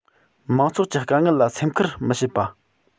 མང ཚོགས ཀྱི དཀའ ངལ ལ སེམས ཁུར མི བྱེད པ